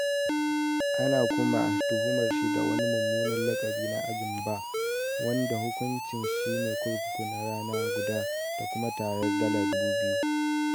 Ana kuma tuhumar shi da wani mummunan lakabi na Ajin B, wanda hukunci shi ne ya je kurkuku na rana guda da kuma tarar $2,000.